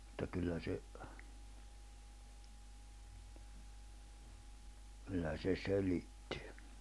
mutta kyllä se kyllä se selitti